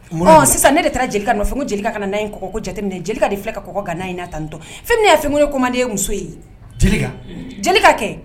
Sisan ne de taara jeli ka ko jeli ka kɔkɔko jate jeli ka de kakɔ ka natɔn fɛn min fɛn koman ye muso ye kɛ